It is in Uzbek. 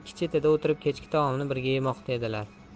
chetida o'tirib kechki taomni birga yemoqda edilar